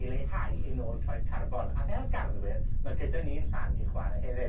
I leihau ein ôl troed carbon. A fel garddwyr, ma' gyda ni'n rhan i chware hefyd.